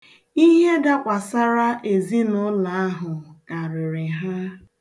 Ihe dakwasara ezinụụlọ ahụ karịrị ha.